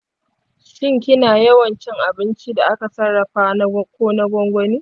shin kina yawan cin abincin da aka sarrafa ko na gwangwani?